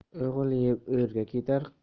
o'g'il yeb o'rga ketar